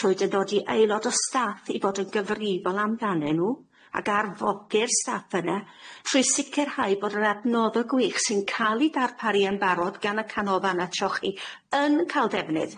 trwy dynodi aelod o staff i fod yn gyfrifol amdanyn n'w ag arfogi'r staff yna, trwy sicirhau bod yr adnodde gwych sy'n ca'l i darparu yn barod gan y Canofanna Trochi yn ca'l ddefnydd.